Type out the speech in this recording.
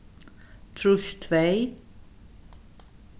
trýst tvey